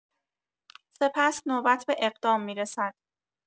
سپس نوبت به اقدام می‌رسد.